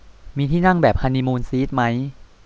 มีที่นั่งแบบฮันนี่มูนซีทมั้ย